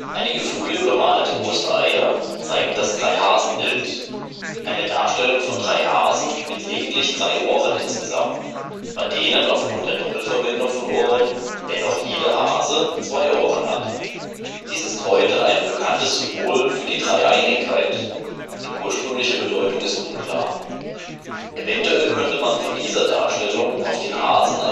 Einige frühe bemalte Ostereier zeigen das Dreihasenbild – eine Darstellung von drei Hasen mit lediglich drei Ohren insgesamt, bei denen aufgrund der „ Doppelverwendung “von Ohren dennoch jeder Hase zwei Ohren hat; dies ist heute ein bekanntes Symbol für die Dreieinigkeit (die ursprüngliche Bedeutung ist unklar). Eventuell könnte man von dieser Darstellung auf den Hasen